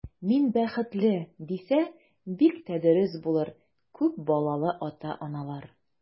Мин бәхетле, дисә, бик тә дөрес булыр, күп балалы ата-аналар.